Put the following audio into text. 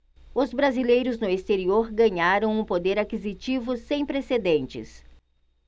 os brasileiros no exterior ganharam um poder aquisitivo sem precedentes